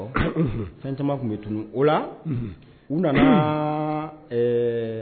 Fɛn caman tun bɛun o la u nana